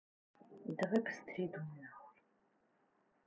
давай быстрее думай нахуй